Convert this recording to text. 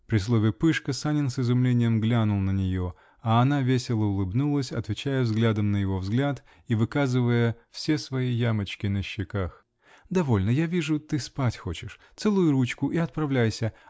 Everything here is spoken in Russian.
(при слове "пышка" Санин с изумлением глянул на нее, а она весело улыбнулась, отвечая взглядом на его взгляд и выказывая все свои ямочки на щеках) -- довольно я вижу, ты спать хочешь целуй ручку и отправляйся